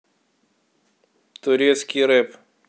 турецкий рэп